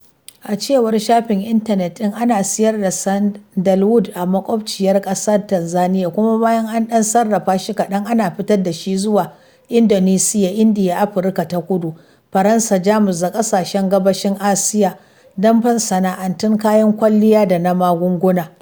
A cewar shafin intanet ɗin, ana siyar da sandalwood a maƙwabciyar ƙasa Tanzania kuma bayan an ɗan sarrafa shi kaɗan, ana fitar da shi "zuwa Indonesia, India, Afirka ta Kudu, Faransa, Jamus da ƙasashen gabashin Asiya don masana’antun kayan kwalliya da na magunguna".